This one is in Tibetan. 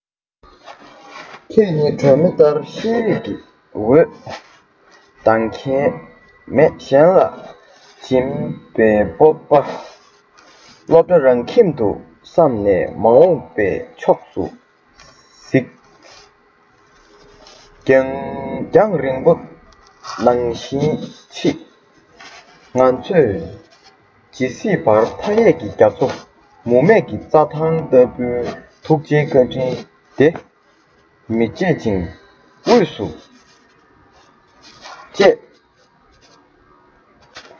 ཁྱེད ནི སྒྲོན མེ ལྟར ཤེས རིག གི འོད མདངས ཁེངས མེད གཞན ལ སྦྱིན པའི སྤོབས པ སློབ གྲྭ རང ཁྱིམ དུ བསམ ནས མ འོངས པའི ཕྱོགས སུ གཟིགས གཟིགས རྒྱང རིང པོ གནང བཞིན མཆིས ང ཚོས ཇི སྲིད བར མཐའ ཡས ཀྱི རྒྱ མཚོ མུ མེད ཀྱི རྩྭ ཐང ལྟ བུའི ཐུགས རྗེའི བཀའ དྲིན དེ མི བརྗེད སྙིང དབུས སུ བཅས རྒྱུ ལགས